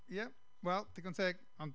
Ie, wel, digon teg, ond...